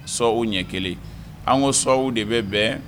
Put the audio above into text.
Sɔ u ɲɛ kelen an ko sow de bɛ bɛn